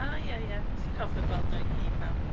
A, ie, ie... ie ...ti'n cofio gweld nhw i gyd nawr?